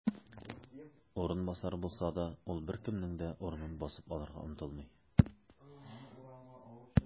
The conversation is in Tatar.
"урынбасар" булса да, ул беркемнең дә урынын басып алырга омтылмый.